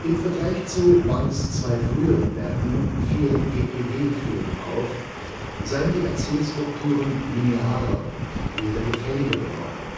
Im Vergleich zu Wangs zwei früheren Werken, fiel epd Film auf, seien die Erzählstrukturen linearer und die Bilder gefälliger geworden.